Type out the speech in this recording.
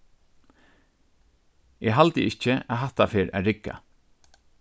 eg haldi ikki at hatta fer at rigga